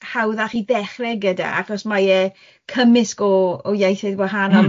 hawddach i ddechre gyda achos mae e cymysg o o ieithoedd wahanol... Mm.